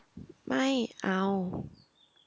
ไม่เอา